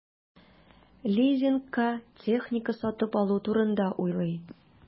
Лизингка техника сатып алу турында уйлый.